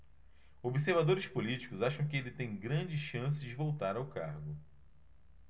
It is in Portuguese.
observadores políticos acham que ele tem grandes chances de voltar ao cargo